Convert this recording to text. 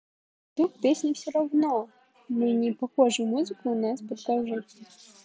youtube песня все равно что мы не похожи музыку у нас под кожей